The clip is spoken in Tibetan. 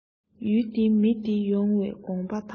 ཡུལ བདེ མི བདེ ཡོངས པའི དགོངས པ དང